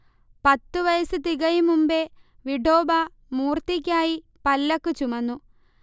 പത്തു വയസ്സു തികയും മുമ്പേ വിഠോബാ മൂർത്തിക്കായി പല്ലക്ക് ചുമന്നു